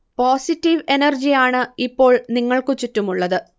positive energy ആണ് ഇപ്പോൾ നിങ്ങൾക്ക് ചുറ്റുമുള്ളത്